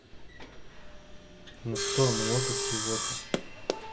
ну что много всего то